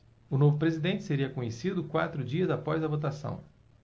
o novo presidente seria conhecido quatro dias após a votação